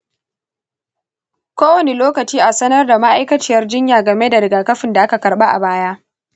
ko wani lokaci a sanar da ma'aikaciyar jinya game da rigakafin da aka karba a baya.